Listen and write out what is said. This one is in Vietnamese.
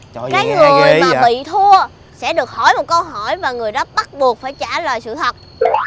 cái người mà bị thua sẽ được hỏi một câu hỏi và người đó bắt buộc phải trả lời sự thật